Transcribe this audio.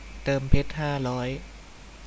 เติมเพชรห้าร้อย